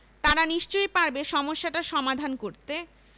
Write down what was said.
তারা নিশ্চয়ই পারবে সমস্যাটার সমাধান করতে